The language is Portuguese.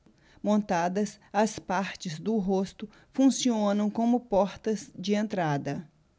montadas as partes do rosto funcionam como portas de entrada